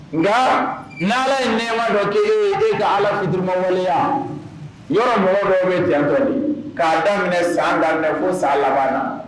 Nka niale ye nɛba dɔ k' e ye ee ka alafitmaoliya yɔrɔ mɔgɔ dɔw bɛ jantɔ ye k'a daminɛ san dan fo san laban